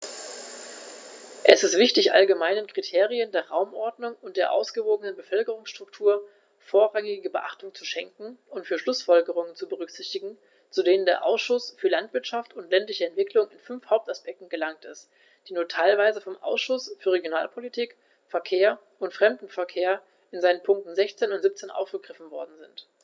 Es ist wichtig, allgemeinen Kriterien der Raumordnung und der ausgewogenen Bevölkerungsstruktur vorrangige Beachtung zu schenken und die Schlußfolgerungen zu berücksichtigen, zu denen der Ausschuss für Landwirtschaft und ländliche Entwicklung in fünf Hauptaspekten gelangt ist, die nur teilweise vom Ausschuss für Regionalpolitik, Verkehr und Fremdenverkehr in seinen Punkten 16 und 17 aufgegriffen worden sind.